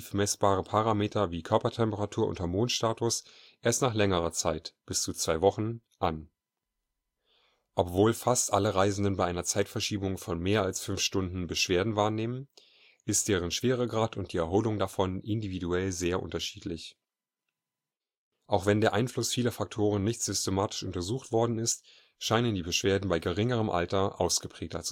messbare Parameter, Körpertemperatur und Hormonstatus sich erst nach längerer Zeit (bis zu zwei Wochen) anpassen. Obwohl fast alle Reisenden bei einer Zeitverschiebung von mehr als fünf Stunden Beschwerden wahrnehmen, ist deren Schweregrad und die Erholung davon individuell sehr unterschiedlich. Auch wenn der Einfluss vieler Faktoren nicht systematisch untersucht worden ist, scheinen die Beschwerden bei geringerem Alter ausgeprägter